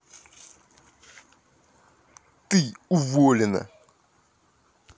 ты уволена